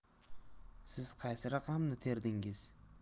siz qaysi raqamni terdingiz